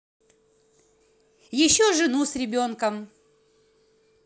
еще жену с ребенком